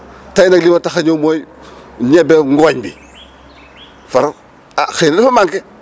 tey nag li ma tax a ñëw mooy ñebe ngooñ bi far ah xëy na dafa manqué